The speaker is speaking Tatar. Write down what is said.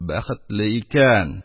Бәхетле икән,